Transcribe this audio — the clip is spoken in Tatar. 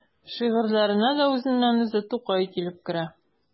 Шигырьләренә дә үзеннән-үзе Тукай килеп керә.